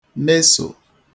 mesò